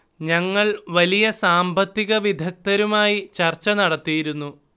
ഞങ്ങൾ വലിയ സാമ്പത്തിക വിദ്ഗധരുമായി ചർച്ച നടത്തിയിരുന്നു